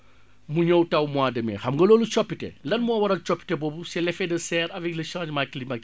mu ñëw taw mois de mai xam nga loolu soppite lan moo waral coppite boobu c' est l' effet de serre avec le changement climatique